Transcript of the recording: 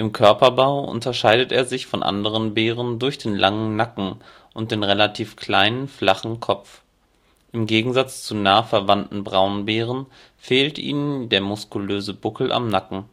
Körperbau unterscheidet er sich von anderen Bären durch den langen Nacken und den relativ kleinen, flachen Kopf, im Gegensatz zu nah verwandten Braunbären fehlt ihnen der muskulöse Buckel am Nacken